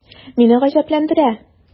Мине гаҗәпләндерә: